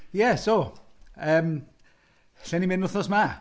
Ie so yym lle ni'n mynd wythnos yma?